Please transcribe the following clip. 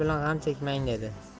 bilan g'am chekmang dedi